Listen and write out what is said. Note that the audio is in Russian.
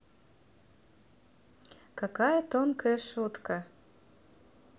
какая тонкая шутка